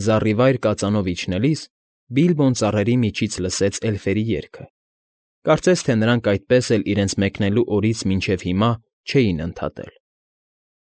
Զառիվայր կածանով իջնելիս Բիլբոն ծառերի միջից լսեց էլֆերի երգը, կարծես թե նրանք այդպես էլ իրենց մեկնելու օրից մինչև հիմա չէին ընդհատել։